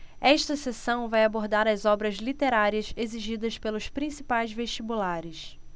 esta seção vai abordar as obras literárias exigidas pelos principais vestibulares